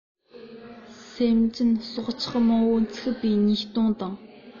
སེམས ཅན སྲོག ཆགས མང པོ འཚིགས པའི ཉེས ལྟུང དང